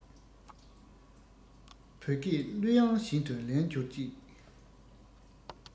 བོད སྐད གླུ དབྱངས བཞིན དུ ལེན འགྱུར ཅིག